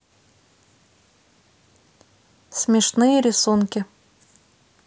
смешные рисунки